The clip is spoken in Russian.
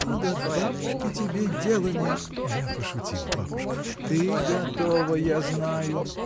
— А до бабушки тебе дела нет?. — Я пошутила, бабушка. — Ты готова, я знаю!